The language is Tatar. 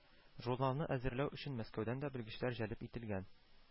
Журналны әзерләү өчен Мәскәүдән дә белгечләр җәлеп ителгән